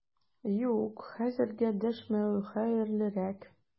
Юк, хәзергә дәшмәү хәерлерәк!